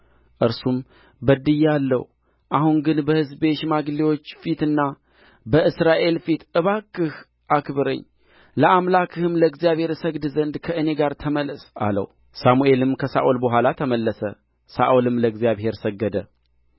እርሱም በድያለሁ አሁን ግን በሕዝቤ ሽማግሌዎች ፊትና በእስራኤል ፊት እባክህ አክብረኝ ለአምላክህም ለእግዚአብሔር እሰግድ ዘንድ ከእኔ ጋር ተመለስ አለው